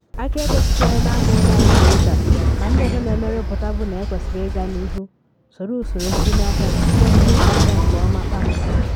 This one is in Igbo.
“Akaebe sitere n’abụghị naanị Toyota ma ndị ọzọ na-eme nrụpụta bụ na ekwesịrị ịga n’ihu soro usoro mbunye ahịa nke na-aga nke ọma kpamkpam.”